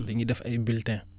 dañuy def ay bulletins